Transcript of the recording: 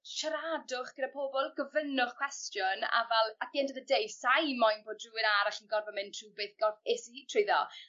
siaradwch gyda pobol gofynnwch cwestiwn a fel at the end of the day sai moyn bod rhywun arall yn gorfod mynd trw beth gof- es i trwyddo